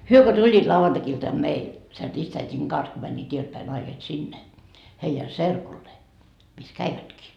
he kun tulivat lauantai-iltana meille sen ristiäidin kanssa kun menivät edeltäpäin naiset sinne heidän serkulleen missä kävivätkin